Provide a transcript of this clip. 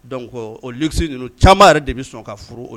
Dɔnku si ninnu caman yɛrɛ de bɛ sɔn ka furu